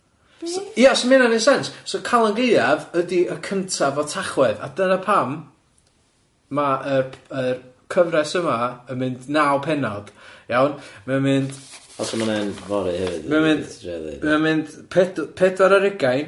Ia so ma' hynna'n 'neu' sense. So Calan Gaeaf ydi y cyntaf o Tachwedd a dyna pam ma' y p- yr cyfres yma yn mynd naw pennod, iawn. Mae o'n mynd... oh so ma hynne'n fory hefyd ti trio ddeud ...mae o'n mynd mae o'n mynd pedw- pedwar ar hugain.